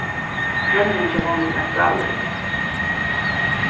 royndin hjá honum var frálík